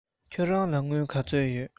ཁྱེད རང ལ དངུལ ག ཚོད ཡོད